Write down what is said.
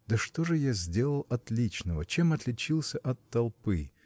Да что же я сделал отличного, чем отличился от толпы?